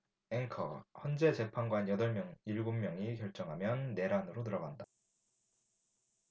앵커 헌재 재판관 여덟 명 일곱 명이 결정하면 내란으로 들어간다